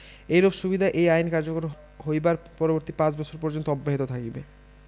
এইরূপ সুবিধা এই আইন কার্যকর হইবার পরবর্তী পাঁচ ৫ বৎসর পর্যন্ত অব্যাহত থাকিবে